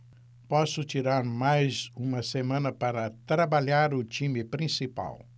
posso tirar mais uma semana para trabalhar o time principal